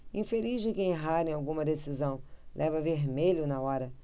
infeliz de quem errar em alguma decisão leva vermelho na hora